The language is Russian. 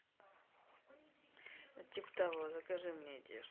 ну типа того закажи мне одежду